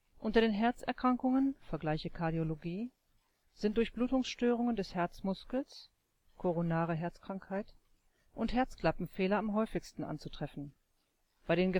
Unter den Herzerkrankungen (vgl. Kardiologie) sind Durchblutungsstörungen des Herzmuskels (Koronare Herzkrankheit) und Herzklappenfehler am häufigsten anzutreffen, bei den